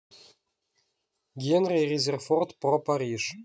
генри резерфорд про париж